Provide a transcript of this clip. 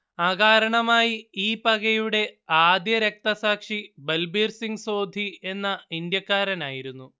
അകാരണമായി ഈ പകയുടെ ആദ്യ രക്തസാക്ഷി ബൽബീർ സിംഗ് സോധി എന്ന ഇന്ത്യക്കാരനായിരുന്നു